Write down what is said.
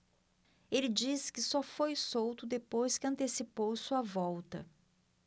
ele disse que só foi solto depois que antecipou sua volta